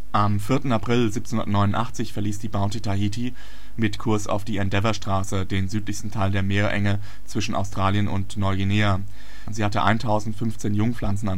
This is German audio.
Am 4. April 1789 verließ die Bounty Tahiti mit Kurs auf die Endeavour-Straße, den südlichsten Teil der Meerenge zwischen Australien und Neuguinea. Sie hatte 1015 Jungpflanzen